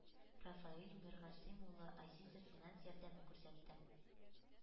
Рафаил Миргасыйм улы Азизов финанс ярдәме күрсәтте.